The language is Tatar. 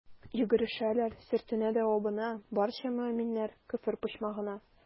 Йөгерешәләр, сөртенә дә абына, барча мөэминнәр «Көфер почмагы»на.